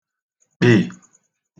kpị̀